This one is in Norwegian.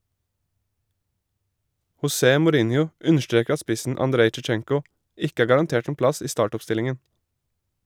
José Mourinho understreker at spissen Andrej Sjevtsjenko ikke er garantert en plass i startoppstillingen.